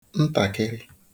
ntàkịrị